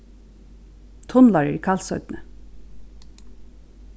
tunlar eru í kalsoynni